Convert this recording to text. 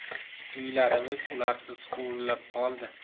uylarimiz ularsiz huvillab qoldi